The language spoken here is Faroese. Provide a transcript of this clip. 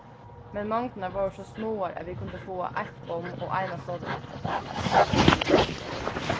men mongdirnar vóru so smáar at vit kundu fáa eitt bomm og eina sodavatn at deila